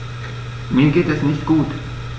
Mir geht es nicht gut.